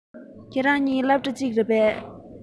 ཁྱེད རང གཉིས སློབ གྲ གཅིག རེད པས